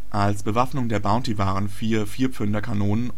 Als Bewaffnung der Bounty waren vier Vierpfünder -„ Kanonen